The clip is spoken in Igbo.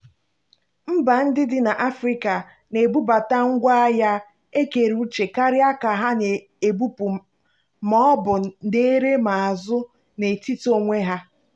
Mba ndị dị n'Afrịka na-ebubata ngwa ahịa ekere uche karịa ka ha na-ebupụ ma ọ bụ na-ere ma azụ n'etiti onwe ha.